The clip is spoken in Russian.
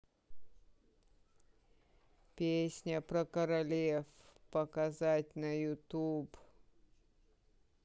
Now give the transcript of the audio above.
песня про королев показать на ютюб